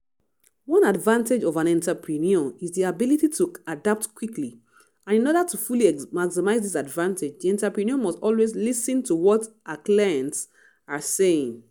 One advantage of an entrepreneur is the ability to adapt quickly, and in order to fully maximize this advantage the entrepreneur must always listen to what her client's are saying.